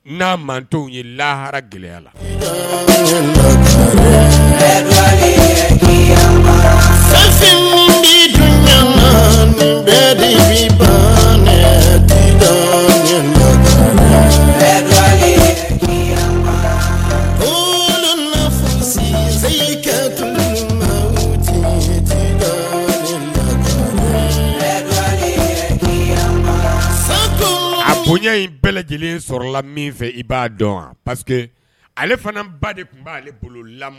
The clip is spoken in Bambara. N'a man to ye lahara gɛlɛyaya la bɛ min a bonya in bɛ lajɛlen sɔrɔ min fɛ i b'a dɔn pa ale fana ba de tun b'aale bolo la